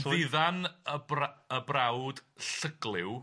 Ymddiddan y bra- y brawd llygliw...